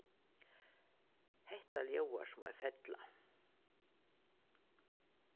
hetta ljóðar sum ein fella